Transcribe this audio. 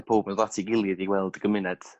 ca'l powb ddod at i gilydd i weld y gymuned